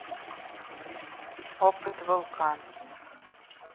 опыт вулкан